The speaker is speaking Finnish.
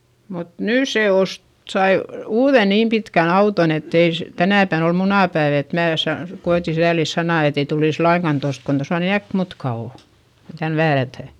mutta nyt se osti sai uuden niin pitkän auton että ei - tänä päivänä oli munapäivä että minä - koetin sääliä sanaa että ei tulisi lainkaan tuosta kun tuossa niin äkkimutka on kun tänne väärätään